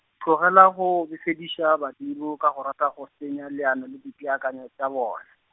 tlogela go befediša badimo ka go rata go senya leano le dipeakanyo tša bona.